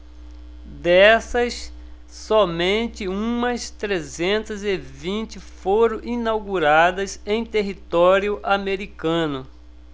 dessas somente umas trezentas e vinte foram inauguradas em território americano